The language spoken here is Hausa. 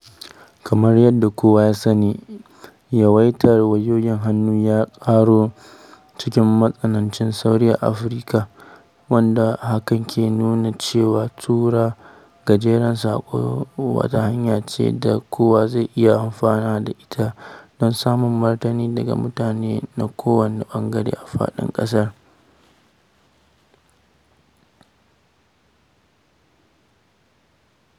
Kamar yadda kowa ya sani, yawaitar wayoyin hannu ya ƙaru cikin matsanancin sauri a Afirka, wanda hakan ke nufin cewa tura gajeren saƙo wata hanya ce da kowa zai iya amfani da ita don samun martani daga mutane na kowane ɓangare a faɗin ƙasar.